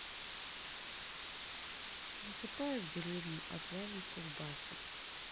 засыпаю в деревню отвалом в кузбассе